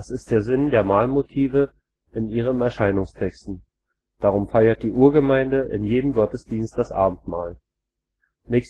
ist der Sinn der Mahlmotive in ihren Erscheinungstexten. Darum feierte die Urgemeinde in jedem Gottesdienst das Abendmahl. Der